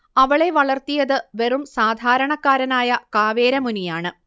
അവളെ വളർത്തിയത് വെറും സാധാരണക്കാരനായ കാവേര മുനിയാണ്